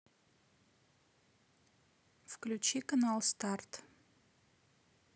включи канал старт